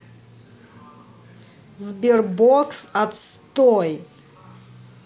sberbox отстой